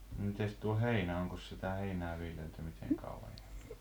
no mitenkäs tuo heinä onkos sitä heinää viljelty miten kauan jo